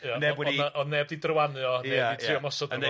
Ia... Neb wedi... ...o'dd 'na o'dd neb 'di drywanu o neb 'di trio mosd â fo?